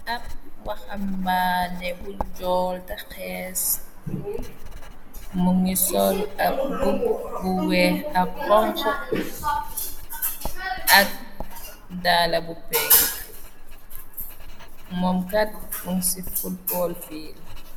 Ab waxambaane bu njool te xees mogi sol ap mbuba bu weex ak xonxa ak daala bu pink moom kat mung si fotball fiil.